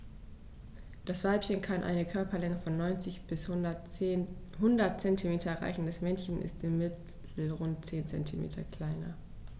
Das Weibchen kann eine Körperlänge von 90-100 cm erreichen; das Männchen ist im Mittel rund 10 cm kleiner.